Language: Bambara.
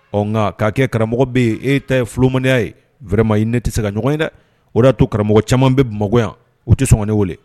Ɔ ŋaa k'a kɛ karamɔgɔ be ye e ta ye filomaniya ye vraiment i ni ne tese ka ɲɔgɔn ye dɛ o de y'a to karamɔgɔ caman be Bamako yan u te sɔn ka ne wele